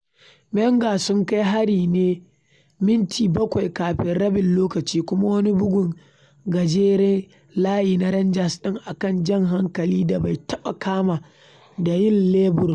Menga sun kai harin ne mintina bakwai kafin rabin lokaci kuma wani bugun gajeren layi na Rangers din a kan jan hankali da bai taɓa kama da yin lebur.